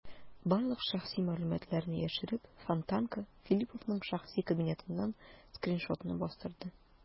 Барлык шәхси мәгълүматларны яшереп, "Фонтанка" Филипповның шәхси кабинетыннан скриншотны бастырды.